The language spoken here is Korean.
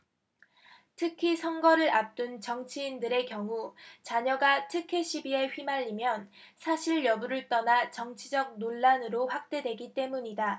특히 선거를 앞둔 정치인들의 경우 자녀가 특혜시비에 휘말리면 사실여부를 떠나 정치적 논란으로 확대되기 때문이다